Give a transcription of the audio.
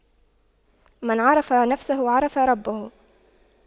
من عرف نفسه عرف ربه